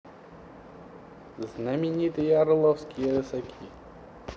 знаменитые орловские рысаки